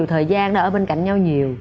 thời gian để ở bên cạnh nhau nhiều